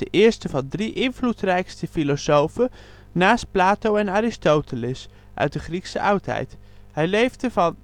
eerste van de drie invloedrijkste filosofen (naast Plato en Aristoteles) uit de Griekse oudheid. Hij leefde van